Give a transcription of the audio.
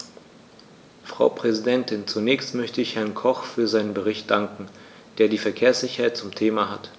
Frau Präsidentin, zunächst möchte ich Herrn Koch für seinen Bericht danken, der die Verkehrssicherheit zum Thema hat.